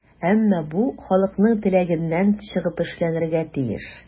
Әмма бу халыкның теләгеннән чыгып эшләнергә тиеш.